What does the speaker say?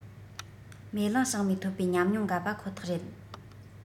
མེ གླིང བྱང མའི ཐོབ པའི ཉམས མྱོང འགའ པ ཁོ ཐག རེད